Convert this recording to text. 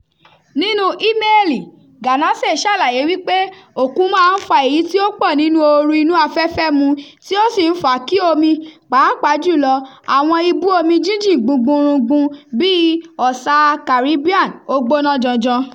Nínú ímeèlì, Ganase ṣàlàyé wípé òkun máa ń fa èyí tí ó pọ̀ nínú ooru inú afẹ́fẹ́ mu, tí ó sì ń fa kí omi — pàápàá jù lọ àwọn ibú omi jínjìn gbungbunrungbun bíi Ọ̀sàa Caribbean — ó gbóná janjan.